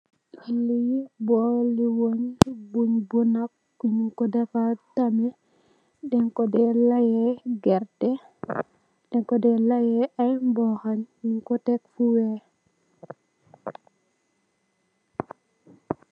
Lee boole weah bun bona nugku defar tameh dang ku de laye gerteh dang ku de laye ay mbuha nugku tekk fu weex.